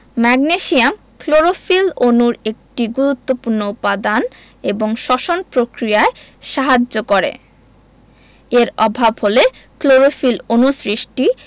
magnesium chlorophyll অণুর একটি গুরুত্বপুর্ণ উপাদান এবং শ্বসন প্রক্রিয়ায় সাহায্য করে এর অভাব হলে ক্লোরোফিল অণু সৃষ্টি